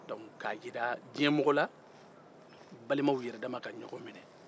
donke k'a jira diɲɛmɔgɔ la balimaw yɛrɛdama ka ɲɔgɔn minɛ